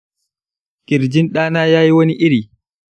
ƙirjin ɗana yayi wani iri